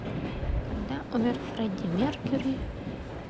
когда умер фредди меркьюри